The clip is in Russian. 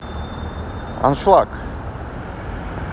аншлаг